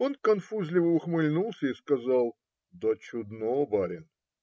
Он конфузливо ухмыльнулся и сказал: - Да чудно, барин!